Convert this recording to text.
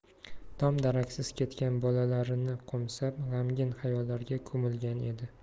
dom daraksiz ketgan bolalarini qo'msab g'amgin xayollarga ko'milgan edi